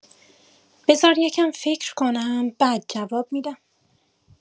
بذار یه کم فکر کنم بعد جواب می‌دم